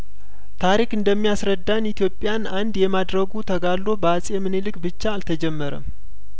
ታሪክ እንደሚያስረዳን ኢትዮጵያን አንድ የማድረጉ ተጋድሎ በአጼምኒልክ ብቻ አልተጀመረም